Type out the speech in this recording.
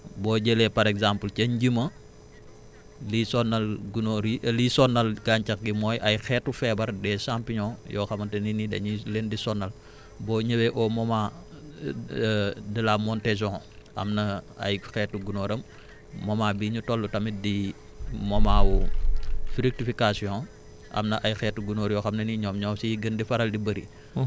voilà boo jëlee par exemple ca Njuma liy sonal gunóor yi liy sonal gàncax gi mooy ay xeetu feebar des champignons yoo xamante ne ni dañuy leen di sonal boo ñëwee au moment de la montaison am na ay xeetu gunóoram moment bii ñu toll tamit di moment fructification am na ay xeetu gunóor yoo xam ne ni ñoom ñoo ciy gën di faral di bëri